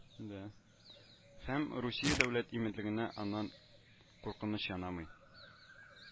Һәм Русия дәүләт иминлегенә аннан куркыныч янамый